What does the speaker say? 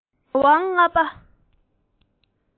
རྒྱལ དབང ལྔ པ